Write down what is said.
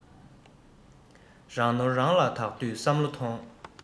རང ནོར རང ལ བདག དུས བསམ བློ ཐོངས